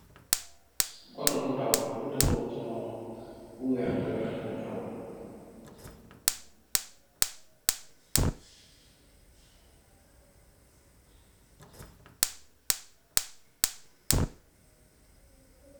Otto bu ndaw, bu dëpook jamano, bu werta werta bu ñiorut.